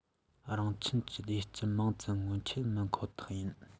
རང ཁྱིམ བདེ སྐྱིད མང ཙམ ངོམ ཆེད མིན ཁོ ཐག ཡིན